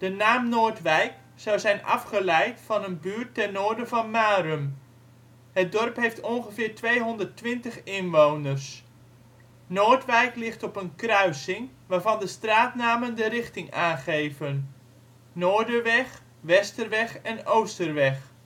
naam Noordwijk zou zijn afgeleid van een buurt ten noorden van Marum. Het dorp heeft ongeveer 220 inwoners. Noordwijk ligt op een kruising waarvan de straatnamen de richting aangeven: Noorderweg, Westerweg en Oosterweg